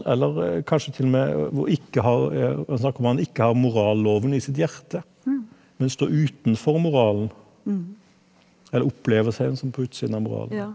eller kanskje t.o.m. hvor ikke har han snakker om han ikke har moralloven i sitt hjerte, men står utenfor moralen, eller opplever seg sånn på utsiden av moralen da.